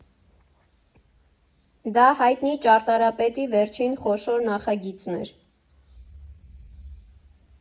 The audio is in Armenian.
Դա հայտնի ճարտարապետի վերջին խոշոր նախագիծն էր.